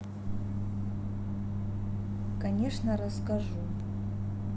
конечно расскажу